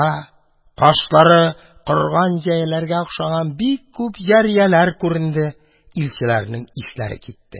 Кашлары корган җәяләргә охшаган бик күп җарияләр күренде, илчеләрнең исләре китте.